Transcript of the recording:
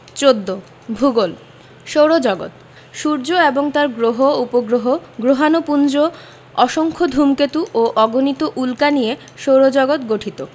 ১৪ ভূগোল সৌরজগৎ সূর্য এবং তার গ্রহ উপগ্রহ গ্রহাণুপুঞ্জ অসংখ্য ধুমকেতু ও অগণিত উল্কা নিয়ে সৌরজগৎ গঠিত